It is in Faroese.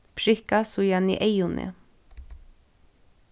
prikka síðani eyguni